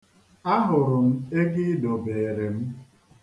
A hụrụ m ego i dobeere m.